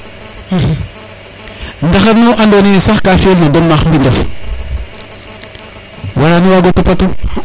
ndaxar nu ando naye sax ka fiyel no don paax mbinof wara no wago topatu